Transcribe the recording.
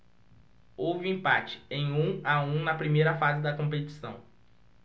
houve empate em um a um na primeira fase da competição